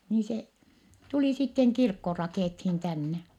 niin se tuli sitten kirkko rakennettiin tänne